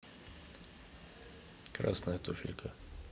красная туфелька